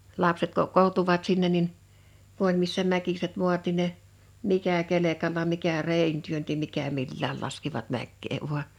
lapset kokoontuivat sinne niin kun oli missä mäkiset maat niin ne mikä kelkalla mikä reen työnsi mikä milläkin laskivat mäkeä vain